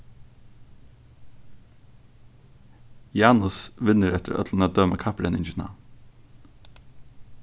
janus vinnur eftir øllum at døma kapprenningina